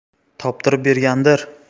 topdirib bergandir